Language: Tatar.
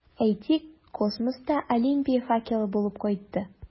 Әйтик, космоста Олимпия факелы булып кайтты.